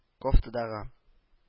Кофтадагы